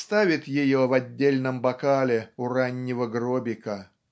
ставит ее в отдельном бокале у раннего гробика.